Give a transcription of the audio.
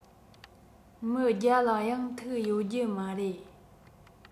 མི བརྒྱ ལ ཡང ཐུག ཡོད རྒྱུ མ རེད